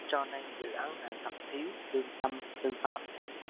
cho nên dự án này thật thiếu lương tâm sư phạm